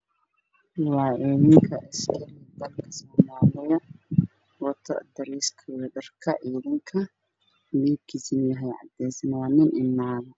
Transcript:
Waa askarta ciidanka dalka soomaaliyeed waxay wataan dareyskii tootaha ahaa midabkiisana waa caddeeys caddees iyo